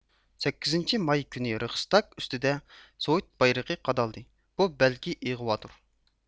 سەككىزىنچى ماي كۈنى رېخىستاگ ئۈستىگە سوۋېت بايرىقى قادالدى بۇ بەلكى ئىغۋادۇر